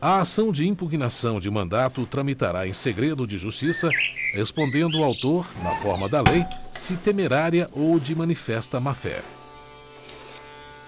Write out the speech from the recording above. a ação de impugnação de mandato tramitará em segredo de justiça respondendo o autor na forma da lei se temerária ou de manifesta má fé